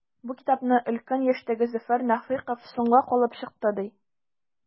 Бу китапны өлкән яшьтәге Зөфәр Нәфыйков “соңга калып” чыкты, ди.